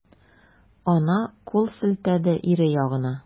Ана кул селтәде ире ягына.